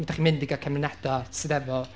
mi dach chi'n mynd i gael cymunedau sydd efo